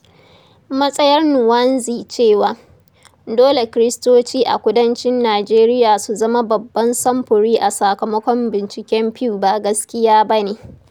Matsayar Nwanze cewa, dole Kiristoci a Kudancin Nijeriya su zama babban samfuri a sakamakon binciken Pew ba gaskiya ba ne.